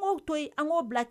Kumaw to yen an k'o bila t